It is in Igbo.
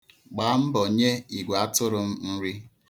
Gbaa mbọ nye igweatụrụ m nri.